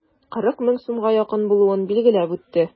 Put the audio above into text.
40 мең сумга якын булуын билгеләп үтте.